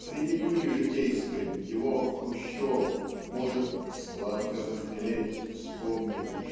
Среди пыли житейской его Хрущев может "сладко захмелеть вспомнив